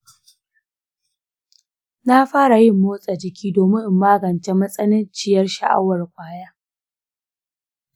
na fara yin motsa jiki domin in magance matsananciyar sha'awar ƙwaya.